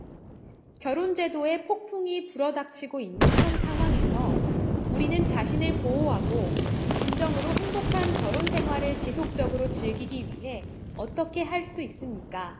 결혼 제도에 폭풍이 불어 닥치고 있는 현 상황에서 우리는 자신을 보호하고 진정으로 행복한 결혼 생활을 지속적으로 즐기기 위해 어떻게 할 수 있습니까